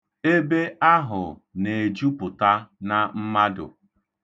Ebe ahụ na-ejupụta na mmadụ.